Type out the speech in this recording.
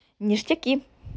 ништяки